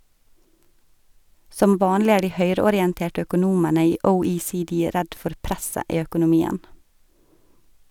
Som vanlig er de høyreorienterte økonomene i OECD redd for «presset» i økonomien.